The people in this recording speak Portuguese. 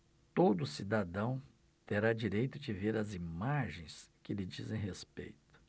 todo cidadão terá direito de ver as imagens que lhe dizem respeito